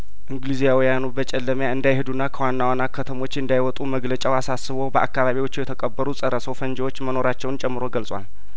እንግሊዛውያኑ በጨለማ እንዳይሄዱና ከዋና ዋና ከተሞች እንዳይወጡ መግለጫው አሳስቦ በአካባቢዎቹ የተቀበሩ ጸረ ሰው ፈንጂዎች መኖራቸውን ጨምሮ ገልጿል